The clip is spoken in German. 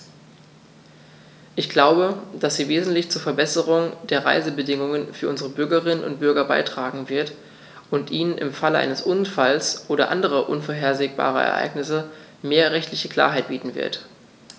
Ich glaube, dass sie wesentlich zur Verbesserung der Reisebedingungen für unsere Bürgerinnen und Bürger beitragen wird, und ihnen im Falle eines Unfalls oder anderer unvorhergesehener Ereignisse mehr rechtliche Klarheit bieten wird.